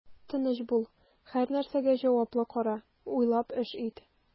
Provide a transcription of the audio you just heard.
Тыныч бул, һәрнәрсәгә җаваплы кара, уйлап эш ит.